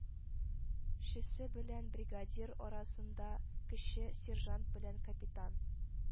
Чесе белән бригадир арасында кече сержант белән капитан